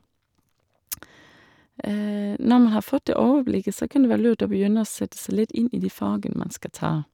Når man har fått det overblikket, så kan det være lurt å begynne å sette seg litt inn i de fagene man skal ta.